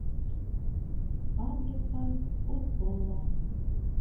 фабрика футбола